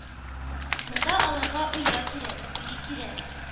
Монда аларга оя кирәк, өй кирәк...